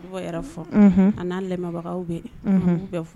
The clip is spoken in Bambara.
N yɛrɛ fɔ a n'a lamɛnbagaw bɛ bɛ fɔ